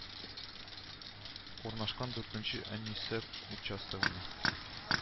Урнашкан дүртенче анисәп участогына